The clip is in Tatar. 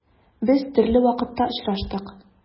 Без төрле вакытта очраштык.